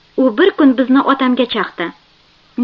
u bir kun bizni otamga chaqdi